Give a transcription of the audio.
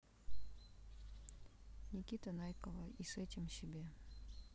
никита найкова и с этим себе